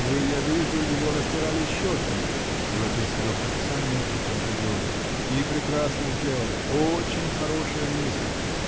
-- Вы, я вижу, его растирали щетками, -- обратился доктор к Санину и Панталеоне, -- и прекрасно сделали. Очень хорошая мысль.